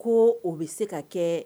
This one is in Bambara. Ko o bɛ se ka kɛ